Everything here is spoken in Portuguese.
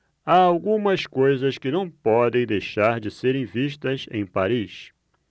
há algumas coisas que não podem deixar de serem vistas em paris